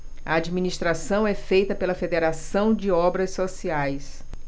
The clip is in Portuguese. a administração é feita pela fos federação de obras sociais